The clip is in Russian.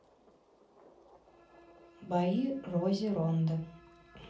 бои рози ронды